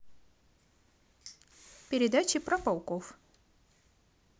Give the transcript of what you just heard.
передачи про пауков